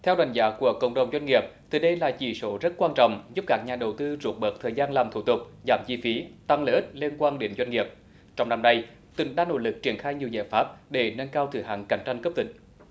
theo đánh giá của cộng đồng doanh nghiệp thì đây là chỉ số rất quan trọng giúp các nhà đầu tư rút bớt thời gian làm thủ tục giảm chi phí tăng lợi ích liên quan đến doanh nghiệp trong năm nay tỉnh đã nỗ lực triển khai nhiều giải pháp để nâng cao thời hạn cạnh tranh cấp tịch